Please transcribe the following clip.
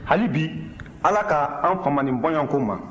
hali bi ala k'an fama nin bɔɲɔgɔnko ma